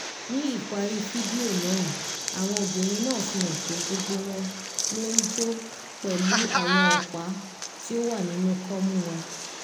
Ní ìparí fídíò náà, àwọn obìnrin náà fi hàn pé gbogbo wọn ló ń jó pẹ̀lú àwọn ọ̀pá tí ó wà nínú kọ́mú wọn.